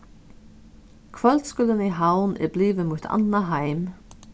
kvøldskúlin í havn er blivið mítt annað heim